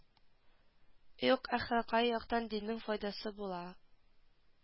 Юк әхлакый яктан диннең файдасы булган